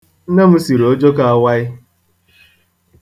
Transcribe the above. Nne m siri ojoko awaị.